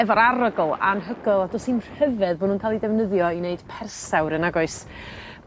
efo'r arogl anhygoel a do's 'im rhyfedd bo' nw'n ca'l 'u defnyddio i neud persawr yn nag oes?